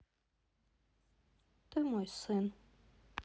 ты мой сын